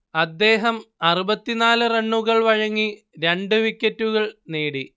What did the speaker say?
അദ്ദേഹം അറുപത്തിനാല് റണ്ണുകൾ വഴങ്ങി രണ്ട് വിക്കറ്റുകൾ നേടി